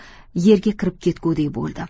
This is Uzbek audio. yerga kirib ketgudek bo'ldim